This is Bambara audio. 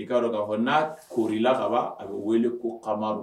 I'a dɔn k' fɔ n'a kola kaban a bɛ wele ko kama